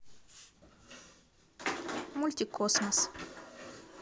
мультик космос